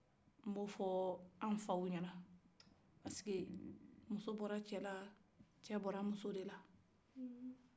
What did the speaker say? nbo fɔ an faw ɲana sabula muso bɔra cɛ la cɛ bɔra muso de la